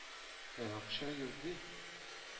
Ә акча юк бит